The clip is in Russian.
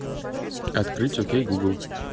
открыть окей google